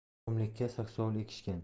qumlikka saksovul ekishgan